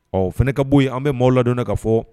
Ɔ fana ka bɔ ye an bɛ maaw ladon ka fɔ